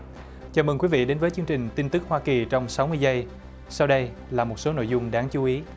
chào mừng quý vị đến với chương trình tin tức hoa kỳ trong sáu mươi giây sau đây là một số nội dung đáng chú ý